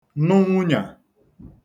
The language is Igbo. nụ nwunyà